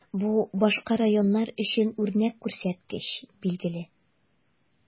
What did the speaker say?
Бу башка районнар өчен үрнәк күрсәткеч, билгеле.